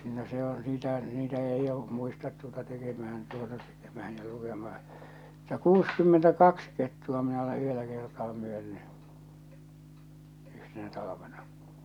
no se on niitä niitä ei jo muista tuota tekemään tuota tekemään ja lukemassa mutta kuusikymmentäkaksi kettua minä olen yhdellä kertaa myynyt yhtenä talvena